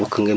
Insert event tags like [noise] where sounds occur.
[hesitation] [hesitation]